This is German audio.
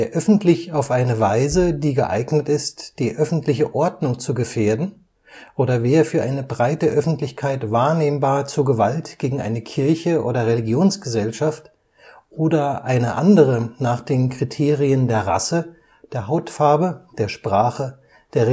öffentlich auf eine Weise, die geeignet ist, die öffentliche Ordnung zu gefährden, oder wer für eine breite Öffentlichkeit wahrnehmbar zu Gewalt gegen eine Kirche oder Religionsgesellschaft oder eine andere nach den Kriterien der Rasse, der Hautfarbe, der Sprache, der